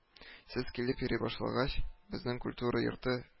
—сез килеп йөри башлагач, безнең культура йорты